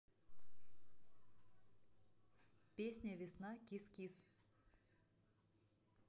песня весна кис кис